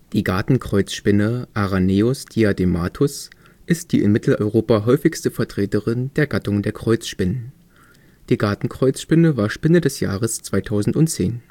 Gartenkreuzspinne (Araneus diadematus) ist die in Mitteleuropa häufigste Vertreterin der Gattung der Kreuzspinnen. Die Gartenkreuzspinne war Spinne des Jahres 2010